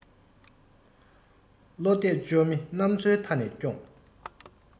བློ གཏད བཅོལ མི རྣམས ཚོ མཐའ ནས སྐྱོངས